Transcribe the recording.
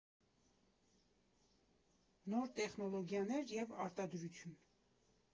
Նոր տեխնոլոգիաներ և արտադրություն։